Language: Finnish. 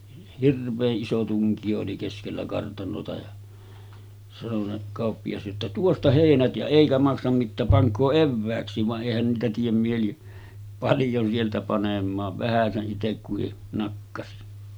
hirveän iso tunkio oli keskellä kartanoa ja sanoi se kauppias jotta tuosta heinät ja eikä maksa mitään pankaa evääksikin vaan eihän niitä tee mieli paljon sieltä panemaan vähäsen itse kukin nakkasi